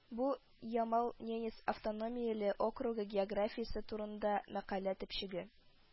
Бу Ямал-Ненец автономияле округы географиясе турында мәкалә төпчеге